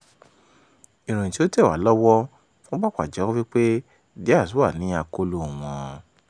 [Ìròyìn tí ó tẹ̀ wá lọ́wọ́: they wọ́n pàpà jẹ́wọ́ wípé [Diaz wà ní akolóo wọn]